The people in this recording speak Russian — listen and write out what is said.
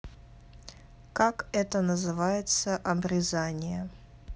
как это называется обрезание